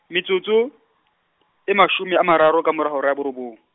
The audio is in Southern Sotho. metsotso , e mashome a mararo ka morao ho hora ya borobong.